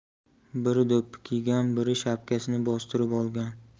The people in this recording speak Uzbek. biri do'ppi kiygan biri shapkasini bostirib olgan